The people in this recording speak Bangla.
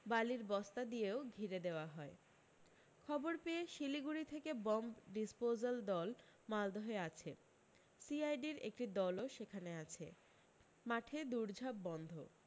বালির বস্তা দিয়েও ঘিরে দেওয়া হয় খবর পেয়ে শিলিগুড়ি থেকে বম্ব ডিসপোজাল দল মালদহে আছে সিআইডির একটি দলও সেখানে আছে মাঠে দৌড় ঝাঁপ বন্ধ